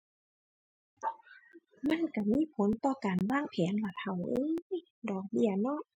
มันก็มีผลต่อการวางแผนล่ะเฒ่าเอ้ย ดอกเบี้ยเนาะ